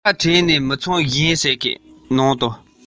སྡོང ལོ ཐམས ཅད ས ལ ལྷུང རྗེས